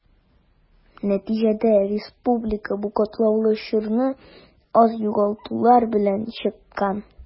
Нәтиҗәдә республика бу катлаулы чорны аз югалтулар белән чыккан.